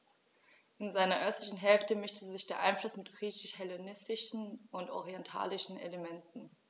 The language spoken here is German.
In seiner östlichen Hälfte mischte sich dieser Einfluss mit griechisch-hellenistischen und orientalischen Elementen.